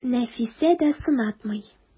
Нәфисә дә сынатмый.